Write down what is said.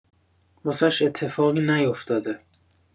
واسش اتفاقی نیافتاده